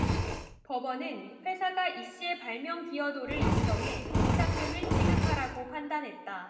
법원은 회사가 이씨의 발명 기여도를 인정해 보상금을 지급하라고 판단했다